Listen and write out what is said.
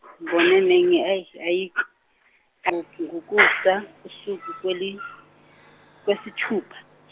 ngone ne- ne- ai- aiko go- gokusa usuku kweli- kwesithupa.